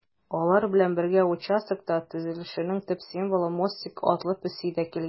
Алар белән бергә участокта төзелешнең төп символы - Мостик атлы песи дә килгән.